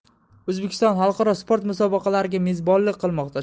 o'zbekiston xalqaro sport musobaqalariga mezbonlik qilmoqda